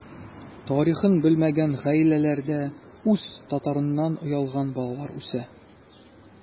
Тарихын белмәгән гаиләләрдә үз татарыннан оялган балалар үсә.